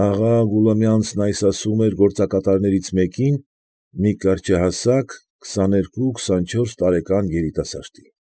Աղա Գուլամյանցն այս ասում էր գործակատարներից մեկին, մի կարճահասակ, քսաներկու ֊ քսանչորս տարեկան երիտասարդի։